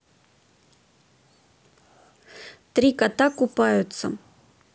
три кота купаются